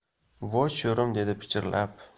voy sho'rim dedi pichirlab